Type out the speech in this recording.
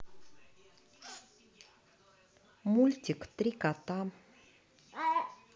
мультик три кота